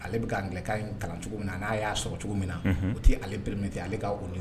Ale bɛ ka anglais kan in kalan cogo min na n'a y'a sɔrɔ cogo min na. Unhun! O tɛ ale permet ale ka